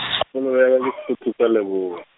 polelo ya le Sotho sa leboa.